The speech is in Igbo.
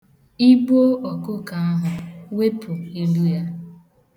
I gbuo ọkụkọ ahụ, wepụ ilu ya.